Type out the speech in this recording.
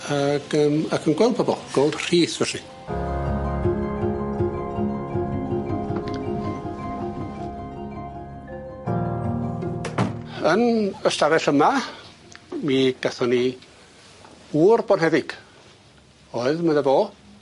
Ag yym ag yn gweld rhith felly. Yn y stafell yma mi gathon ni wr bonheddig, oedd medda fo